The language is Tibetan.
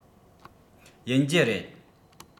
ཡིན རྒྱུ རེད